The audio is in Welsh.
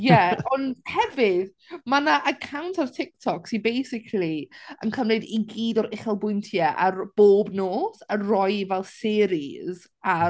Ie, ond hefyd, ma' 'na account ar TikTok sy basically yn cymryd i gyd o'r uchelbwyntiau ar bob nos a roi fel series ar...